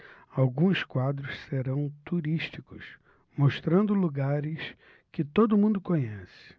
alguns quadros serão turísticos mostrando lugares que todo mundo conhece